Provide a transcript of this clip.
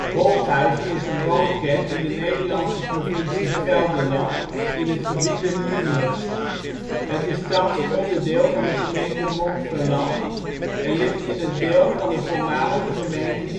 Holthuizen is een woonkern in de Nederlandse provincie Gelderland, in het gebied de Liemers. Het is thans onderdeel van de gemeente Montferland, en ligt in het deel van de voormalige gemeente